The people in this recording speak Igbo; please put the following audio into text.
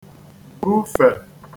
bufè